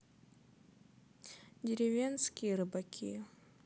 деревенские рыбаки